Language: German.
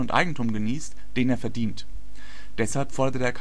Eigentum genießt, den er verdient “. Deshalb forderte